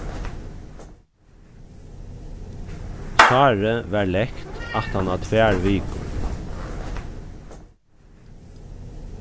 sárið var lekt aftan á tvær vikur